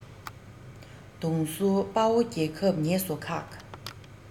གདོང བསུ དཔའ བོ རྒྱལ ཁམས ཉེས སུ ཁག